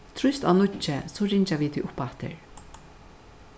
trýst á níggju so ringja vit teg uppaftur